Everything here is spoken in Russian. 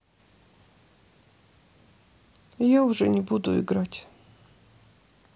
я уже не буду играть